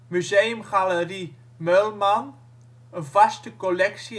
Museum-galerie Møhlmann (vaste collectie